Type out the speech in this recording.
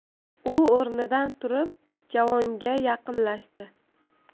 u o'rnidan turib javonga yaqinlashdi